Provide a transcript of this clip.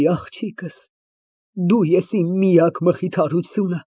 Արի, աղջիկս, դու ես իմ միակ մխիթարությունը։